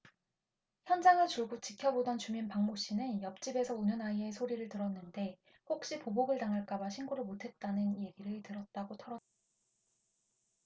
현장을 줄곧 지켜보던 주민 박모씨는 옆집에서 우는 아이의 소리를 들었는데 혹시 보복을 당할까봐 신고를 못했다는 얘기를 들었다고 털어놨다